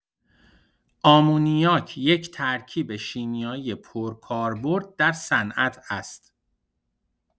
آمونیاک یک ترکیب شیمیایی پرکاربرد در صنعت است.